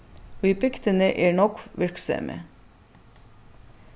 í bygdini er nógv virksemi